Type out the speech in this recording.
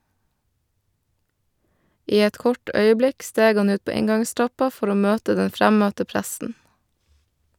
I et kort øyeblikk steg han ut på inngangstrappa for å møte den fremmøtte pressen.